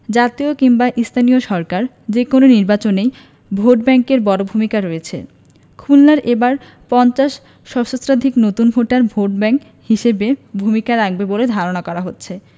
জাতীয় কিংবা স্থানীয় সরকার যেকোনো নির্বাচনেই ভোটব্যাংকের বড় ভূমিকা রয়েছে খুলনায় এবার ৫০ সহস্রাধিক নতুন ভোটার ভোটব্যাংক হিসেবে ভূমিকা রাখবে বলে ধারণা করা হচ্ছে